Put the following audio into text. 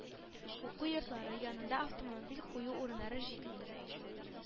Уку йортлары янында автомобиль кую урыннары җитми,